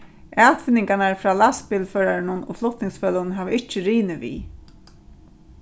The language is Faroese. atfinningarnar frá lastbilførarum og flutningsfeløgum hava ikki rinið við